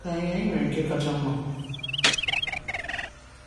Maka anyị, anyị nwere nke kacha mma.